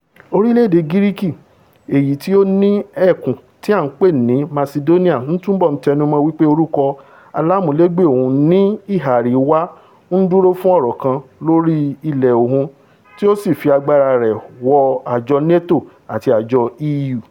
Orílẹ̀-èdè Gíríkì, èyití ó ni ẹkùn tí a ń pè ni Masidóníà, ń túbọ̀ tẹnumọ́ wí pé orúkọ aláàmúlégbè òun ní ìhà àríwá ń dúró fún ọ̀rọ̀ kan lóri ilẹ̀ òun tí ó sì fi agbára rẹ̀ wọ àjọ NATO àti àjọ EU.